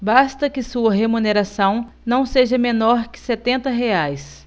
basta que sua remuneração não seja menor que setenta reais